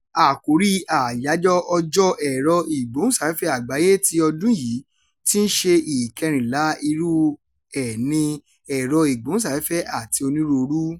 Àkórí Àyájọ́ Ọjọ́ Ẹ̀rọ-ìgbóhùnsáfẹ́fẹ́ Àgbáyé ti ọdún yìí, tí í ṣe ìkẹrìnlá irú ẹ̀ ni "Ẹ̀rọ-ìgbóhùnsáfẹ́fẹ́ àti Onírúurú."